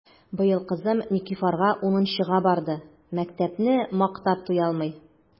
Быел кызым Никифарга унынчыга барды— мәктәпне мактап туялмый!